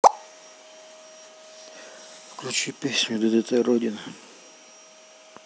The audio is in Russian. включи песню ддт родина